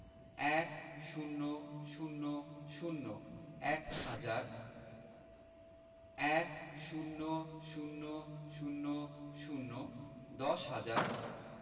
১০০০ – এক হাজার ১০০০০ দশ হাজার